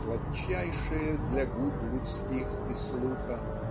"сладчайшее для губ людсхих и слуха"